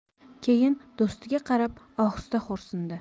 keyin do'stiga qarab ohista xo'rsindi